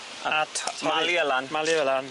A ty-... Malu e lan. Malu e lan.